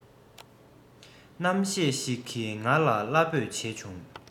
རྣམ ཤེས ཤིག གིས ང ལ བླ འབོད བྱེད བྱུང